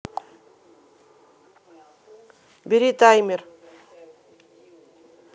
бери таймер